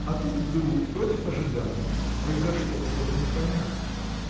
А тут вдруг, против ожидания, произошло что-то непонятное.